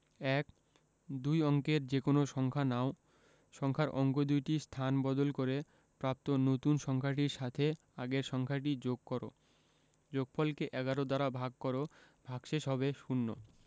১ দুই অঙ্কের যেকোনো সংখ্যা নাও সংখ্যার অঙ্ক দুইটির স্থান বদল করে প্রাপ্ত নতুন সংখ্যাটির সাথে আগের সংখ্যাটি যোগ কর যোগফল কে ১১ দ্বারা ভাগ কর ভাগশেষ হবে শূন্য